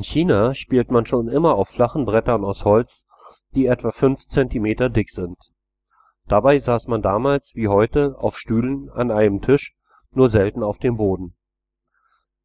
China spielt man schon immer auf flachen Brettern aus Holz, die etwa 5 cm dick sind. Dabei saß man damals wie heute auf Stühlen an einem Tisch, nur selten auf dem Boden.